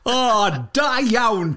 O, da iawn!